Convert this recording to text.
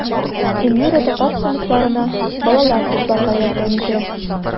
Эльмира татар сыйныфларына балалар тупларга ярдәм итә.